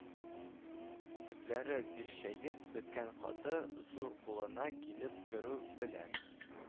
Төпләре бирчәеп беткән каты, зур кулына килеп керү белән